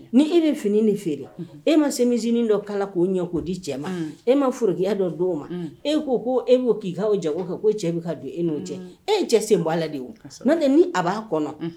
Ni e bɛ fini de feere e ma se miniinin dɔ kala k'o ɲɛ k' di cɛ ma e ma foroya dɔ di' ma e ko ko e'o k'i ka o jago kɛ k'o cɛ bɛ ka don e n'o cɛ e ye cɛ sen bɔ la de ye o n'o tɛ ni a b'a kɔnɔ